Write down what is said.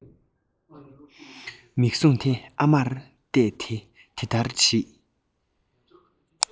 མིག ཟུང དེ ཨ མར གཏད དེ དེ ལྟར དྲིས